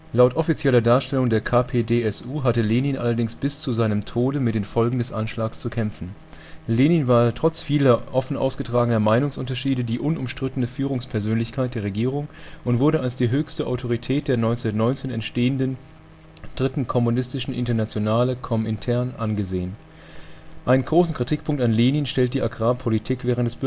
Laut offizieller Darstellung der KPdSU hatte Lenin allerdings „ bis zu seinem Tode mit den Folgen des Anschlags zu kämpfen “. Lenin war trotz vieler offen ausgetragener Meinungsunterschiede die unumstrittene Führungspersönlichkeit der Regierung und wurde als die höchste Autorität der 1919 entstehenden 3. „ Kommunistischen Internationale “(Komintern) angesehen. Das letzte Foto von Lenin Einen großen Kritikpunkt an Lenin stellt die Agrarpolitik während